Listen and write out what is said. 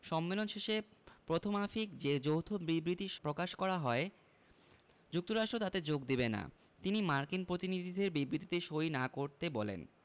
সম্মেলন শেষে প্রথামাফিক যে যৌথ বিবৃতি প্রকাশ করা হয় যুক্তরাষ্ট্র তাতে যোগ দেবে না তিনি মার্কিন প্রতিনিধিদের বিবৃতিতে সই না করতে বলেন